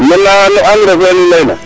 maintenant no engrais fen nu layna